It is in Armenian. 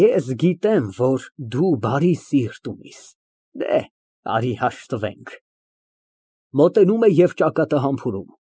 Ես գիտեմ, որ դու բարի սիրտ ունիս, դեհ, արի հաշտվենք։ (Մոտենում է ճակատը համբուրում)։